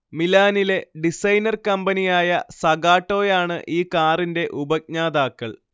മിലാനിലെ designer കമ്പനിയായ സഗാട്ടോയാണ് ഈ കാറിന്റെ ഉപജ്ഞാതാക്കൾ